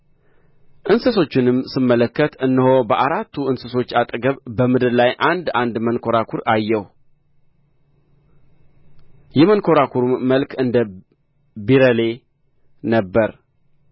እንስሶችንም ስመለከት እነሆ በአራቱ እንስሶች አጠገብ በምድር ላይ አንድ አንድ መንኰራኵር አየሁ የመንኰራኵሩም መልክ እንደ ቢረሌ ነበረ